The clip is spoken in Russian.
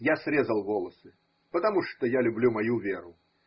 Я срезал волосы, потому что я люблю мою веру.